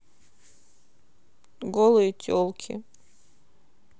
голые телки